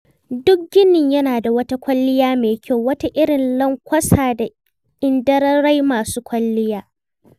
Duk ginin yana da wata kwalliya mai kyau - wata irin lanƙwasa da indararai masu kwalliya.